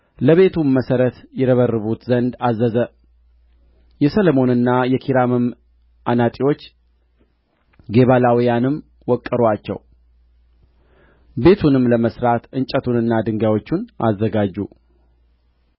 ለቤቱም መሠረት ይረበርቡት ዘንድ አዘዘ የሰሎሞንና የኪራምም አናጢዎች ጌባላውያንም ወቀሩአቸው ቤቱንም ለመሥራት እንጨቱንና ድንጋዮቹን አዘጋጁ